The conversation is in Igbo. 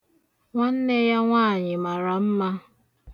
Nwanne ya nwaanyị mara mma.